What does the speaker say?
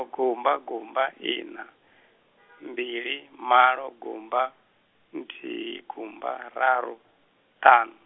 gumba gumba ina, mbili malo gumba, nthihi gumba raru, ṱhanu.